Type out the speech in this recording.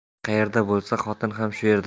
er qayerda bo'lsa xotin ham shu yerda